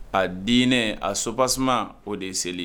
A diinɛ a supasment o de ye seli